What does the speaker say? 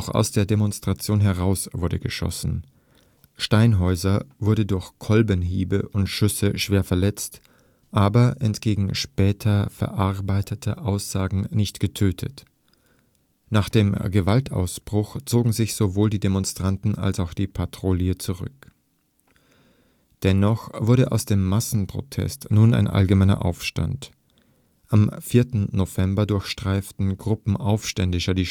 aus der Demonstration heraus wurde geschossen. Steinhäuser wurde durch Kolbenhiebe und Schüsse schwer verletzt, aber entgegen später verbreiteter Aussagen nicht getötet. Nach dem Gewaltausbruch zogen sich sowohl die Demonstranten als auch die Patrouille zurück. Dennoch wurde aus dem Massenprotest nun ein allgemeiner Aufstand. Am 4. November durchstreiften Gruppen Aufständischer die